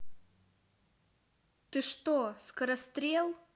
ты что скорострел